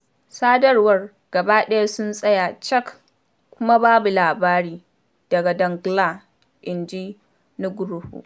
Sadarwa “gaba ɗaya sun tsaya cik kuma babu labari” daga Donggala, jinji Nugroho.